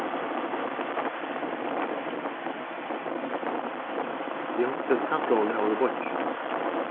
eg hugdi at kappróðri av einum bonki